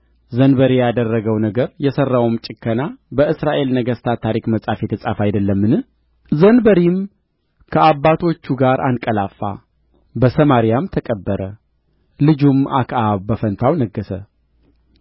ዘንበሪ ያደረገው ነገር የሠራውም ጭከና በእስራኤል ነገሥታት ታሪክ መጽሐፍ የተጻፈ አይደለምን ዘንበሪም ከአባቶቹ ጋር አንቀላፋ በሰማርያም ተቀበረ ልጁም አክዓብ በፋንታው ነገሠ